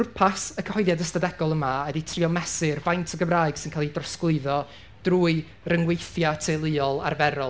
Pwrpas y cyhoeddiad ystadegol yma ydi trio mesu'r ffaint o Gymraeg sy'n cael ei drosglwyddo drwy ryngweithiau teuluol arferol.